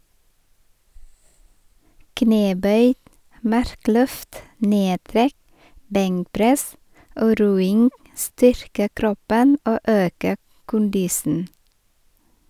Knebøy, markløft, nedtrekk, benkpress og roing styrker kroppen og øker kondisen.